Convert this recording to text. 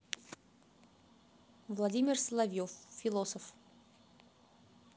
владимир соловьев философ